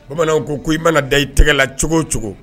Bamananw ko i mana da i tɛgɛ la cogo o cogo